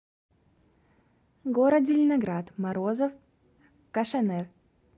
город зеленоград морозов кошанер